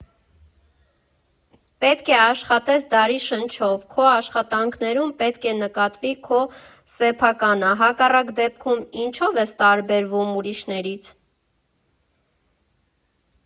Պետք է աշխատես դարի շնչով, քո աշխատանքներում պետք է նկատվի քո սեփականը, հակառակ դեպքում՝ ինչո՞վ ես տարբերվում ուրիշներից։